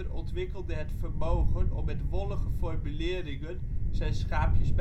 ontwikkelde het vermogen om met wollige formuleringen zijn schaapjes